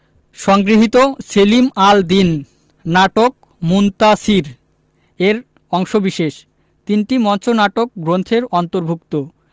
সংগৃহীত সেলিম আল দীন নাটক মুনতাসীর এর অংশবিশেষ তিনটি মঞ্চনাটক গ্রন্থের অন্তর্ভুক্ত